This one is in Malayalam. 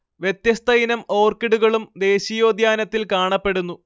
വ്യത്യസ്ത ഇനം ഓർക്കിഡുകളും ദേശീയോദ്യാനത്തിൽ കാണപ്പെടുന്നു